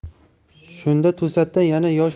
shunda to'satdan yana